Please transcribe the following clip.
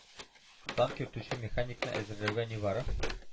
Танк йөртүче механикны әзерләүгә нибары